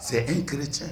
C'est un chrétien